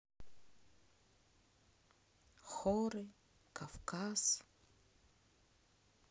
хоры кавказ